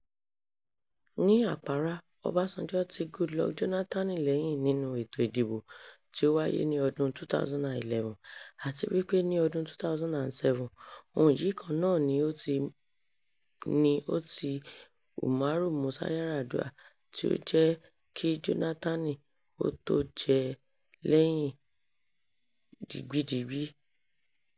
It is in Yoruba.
Ní àpárá, Ọbásanjọ́ ti Goodluck Jónátánì lẹ́yìn nínú ètò ìdìbò tí ó wáyé ní ọdún 2011. Àti wípé ni ọdún 2007, òun yìí kan náà ni ó ti Umaru Musa Yar'Adua tí ó jẹ kí Jónátánì ó tó jẹ lẹ́yìn digbídigbí.